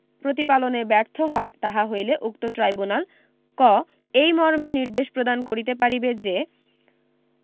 প্রতিপালনে ব্যর্থ হয় তাহা হইলে উক্ত ট্রাইব্যুনাল ক এই মর্মে নির্দেশ প্রদান করিতে পারিবে যে